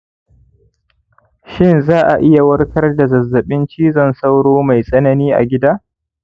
shin za a iya warkarda zazzaɓin cizon sauro mai tsanani a gida